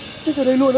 chếch ở đây luôn á